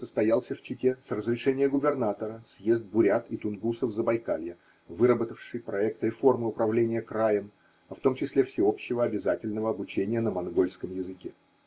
состоялся в Чите с разрешения губернатора съезд бурят и тунгусов Забайкалья, выработавший проект реформы управления краем, а в том числе всеобщего обязательного обучения на монгольском языке.